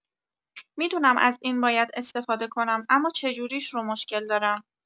می‌دونم از این باید استفاده کنم، اما چجوریش رو مشکل دارم.